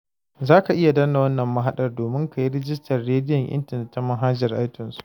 Za ka iya danna wannan mahaɗar domin ka yi rijistar rediyon intanet ta manhajar iTunes.